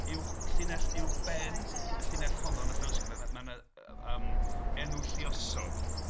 Uwch- llinell uwchben, y llinell honno yn y llawysgrif, mae 'na yym enw lluosog.